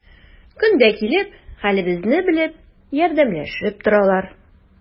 Көн дә килеп, хәлебезне белеп, ярдәмләшеп торалар.